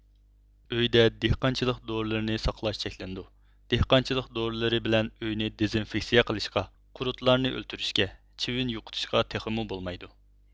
ئۆيدە دېھقانچىلىق دورىلىرىنى ساقلاش چەكلىنىدۇ دېھقانچىلىق دورىلىرى بىلەن ئۆينى دېزىنفىكسىيە قىلىشقا قۇرتلارنى ئۆلتۈرۈشكە چىۋىن يوقىتىشقا تېخىمۇ بولمايدۇ